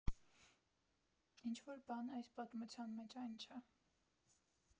Ինչ֊որ բան այս պատմության մեջ այն չէ…